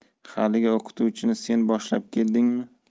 haligi o'qituvchini sen boshlab keldingmi